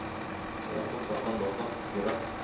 Әнә шул чактан башлап, ерак